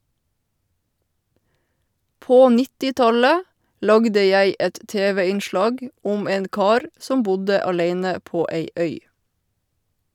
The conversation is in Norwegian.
På nittitallet lagde jeg et tv-innslag om en kar som bodde aleine på ei øy.